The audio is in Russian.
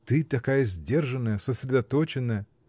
ты, такая сдержанная, сосредоточенная!.